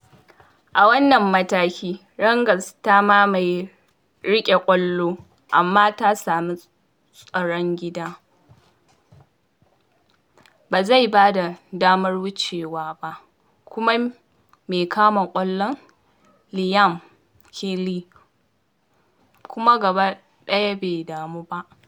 A wannan mataki, Rangers ta mamaye riƙe ƙwallo amma ta sami tsaron gidan ba zai ba da damar wucewa ba kuma mai kama ƙwallo Liam Kelly kuma gaba ɗaya bai damu ba.